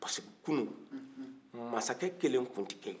parce que kunun masakɛ kelen tun tɛ ke yen